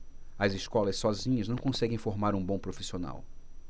as escolas sozinhas não conseguem formar um bom profissional